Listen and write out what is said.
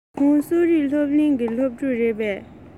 ཁོང གསོ རིག སློབ གླིང གི སློབ ཕྲུག རེད པས